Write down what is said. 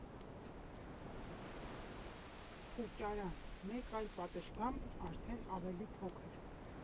Սրճարան, մեկ այլ պատշգամբ՝ արդեն ավելի փոքր։